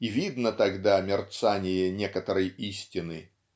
и видно тогда мерцание некоторой истины.